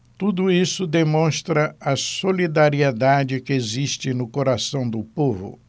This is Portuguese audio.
tudo isso demonstra a solidariedade que existe no coração do povo